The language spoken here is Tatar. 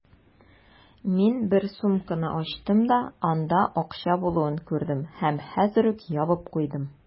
Мин бер сумканы ачтым да, анда акча булуын күрдем һәм хәзер үк ябып куйдым.